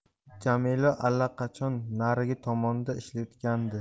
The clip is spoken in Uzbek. jamila allaqachon narigi tomonda ishlayotgandi